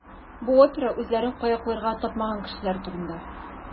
Бу опера үзләрен кая куярга тапмаган кешеләр турында.